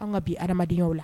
Anw ka bi hadamadenyaw la